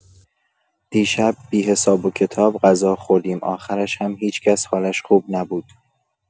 دیشب بی‌حساب و کتاب غذا خوردیم، آخرش هم هیچ‌کس حالش خوب نبود.